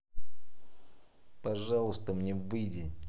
пожалуйста мне выйди